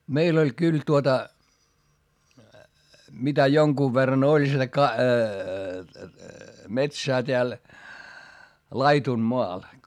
meillä oli kyllä tuota mitä jonkun verran oli sitä - metsää täällä laidunmaa